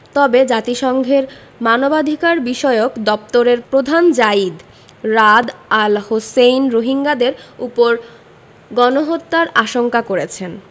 তবে জাতিসংঘের মানবাধিকারবিষয়ক দপ্তরের প্রধান যায়িদ রাদ আল হোসেইন রোহিঙ্গাদের ওপর গণহত্যার আশঙ্কা করেছেন